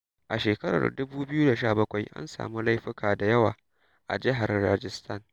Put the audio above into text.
A shekarar 2017 an samu laifuka da yawa a jihar Rajasthan.